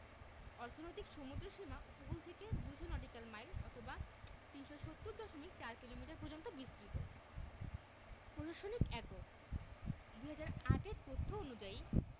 অর্থনৈতিক সমুদ্রসীমা উপকূল থেকে ২০০ নটিক্যাল মাইল অথবা ৩৭০ দশমিক ৪ কিলোমিটার পর্যন্ত বিস্তৃত প্রশাসনিক এককঃ ২০০৮ এর তথ্য অনুযায়ী